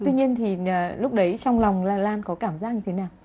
tuy nhiên thì nhở lúc đấy trong lòng là lan có cảm giác như thế nào